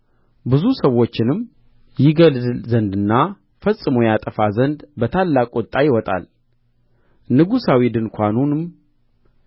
ብዙ ሰዎችንም ይገድል ዘንድና ፈጽሞ ያጠፋ ዘንድ በታላቅ ቍጣ ይወጣል ንጉሣዊ ድንኳኑንም